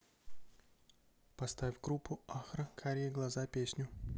поставь группу ахра карие глаза песню